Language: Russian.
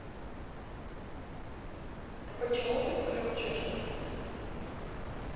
ты почему ты включишь